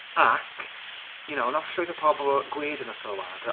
ac you know wnaeth llwyth o pobol gweud yn y sylwadau...